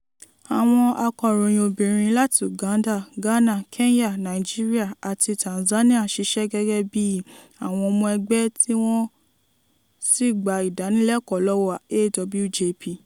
Àwọn akọ̀ròyìn obìnrin láti Uganda, Ghana, Kenya, Nigeria àti Tanzania ṣiṣẹ́ gẹ́gẹ́ bíi àwọn ọmọ ẹgbẹ́ tí wọ́n sì gba ìdánilẹ́kọ̀ọ́ lọ́wọ́ AWJP.